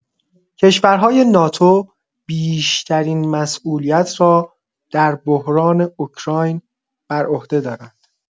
کشورهای ناتو بیشترین مسئولیت را در بحران اوکراین بر عهده دارند.